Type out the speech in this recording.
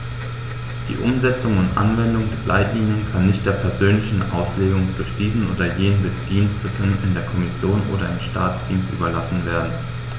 Die Umsetzung und Anwendung der Leitlinien kann nicht der persönlichen Auslegung durch diesen oder jenen Bediensteten in der Kommission oder im Staatsdienst überlassen werden.